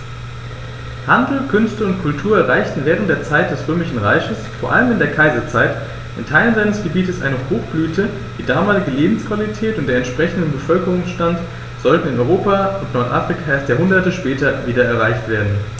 Handel, Künste und Kultur erreichten während der Zeit des Römischen Reiches, vor allem in der Kaiserzeit, in Teilen seines Gebietes eine Hochblüte, die damalige Lebensqualität und der entsprechende Bevölkerungsstand sollten in Europa und Nordafrika erst Jahrhunderte später wieder erreicht werden.